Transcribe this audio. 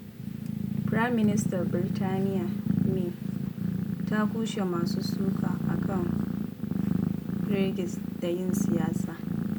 Firaministan Birtaniyya May ta kushe masu suka a kan Brexit da ‘yin siyasa’